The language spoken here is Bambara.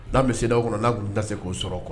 Da bɛ seda o kɔnɔ n'a tun tɛ se k'o sɔrɔ o kɔnɔ